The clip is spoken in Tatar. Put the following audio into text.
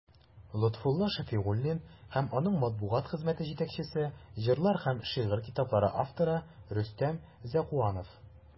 Лотфулла Шәфигуллин һәм аның матбугат хезмәте җитәкчесе, җырлар һәм шигырь китаплары авторы Рөстәм Зәкуанов.